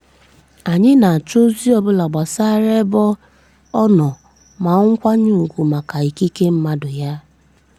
Anyị na-achọ ozi ọ bụla gbasara ebe ọ nọ ma nkwanye ùgwù maka ikike mmadụ ya.